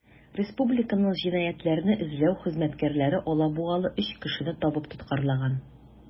Республиканың җинаятьләрне эзләү хезмәткәрләре алабугалы 3 кешене табып тоткарлаган.